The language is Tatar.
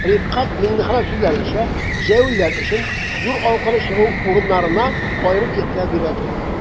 Рифкать Миңнеханов сүзләренчә, җәяүлеләр өчен юл аркылы чыгу урыннарына аерым игътибар бирергә кирәк.